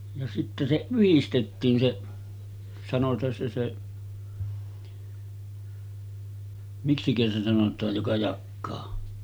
ja sitten se yhdistettiin se sanotaan se se miksikä se sanotaan joka jakaa